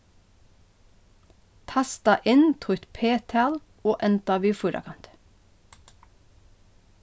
tasta inn títt p-tal og enda við fýrakanti